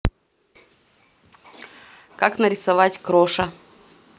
как нарисовать кроша